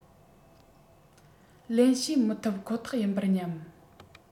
ལེན བྱེད མི ཐུབ ཁོ ཐག ཡིན པར སྙམ